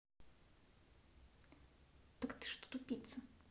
так ты что тупица